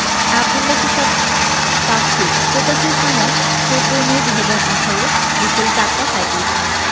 আব্দুল্লাহ সিফাত তাফসীর প্রকাশের সময় ১৪মে ২০১৮ বিকেল ৪ টা ৩৭ মিনিট